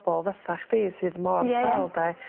pobol fatha chdi sydd mor... Ie ie. ...sal 'de